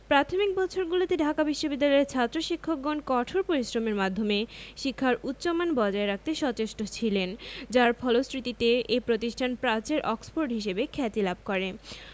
প্রাথমিক বছরগুলিতে ঢাকা বিশ্ববিদ্যালয়ের ছাত্র শিক্ষকগণ কঠোর পরিশ্রমের মাধ্যমে শিক্ষার উচ্চমান বজায় রাখতে সচেষ্ট ছিলেন যার ফলশ্রুতিতে এ প্রতিষ্ঠান প্রাচ্যের অক্সফোর্ড হিসেবে খ্যাতি লাভ করে